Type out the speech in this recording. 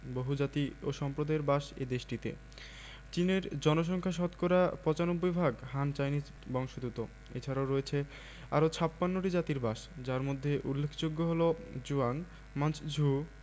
বহুজাতি ও সম্প্রদায়ের বাস এ দেশটিতে চীনের জনসংখ্যা শতকরা ৯৫ ভাগ হান চাইনিজ বংশোদূত এছারাও রয়েছে আরও ৫৬ টি জাতির বাসযার মধ্যে উল্লেখযোগ্য হলো জুয়াং মাঞ্ঝু